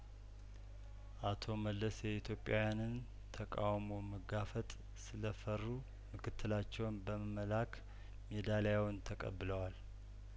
አቶ መለስ የኢትዮጵያውያንን ተቃውሞ መጋፈጥ ስለፈሩምክትላቸውን በመላክ ሜዳልያውን ተቀብለዋል